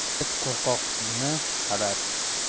it qo'rqoqni talar